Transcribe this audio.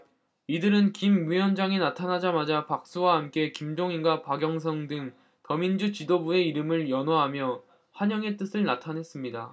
이들은 김 위원장이 나타나자마자 박수와 함께 김종인과 박영선등 더민주 지도부의 이름을 연호하며 환영의 뜻을 나타냈습니다